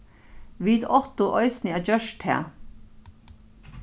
vit áttu eisini at gjørt tað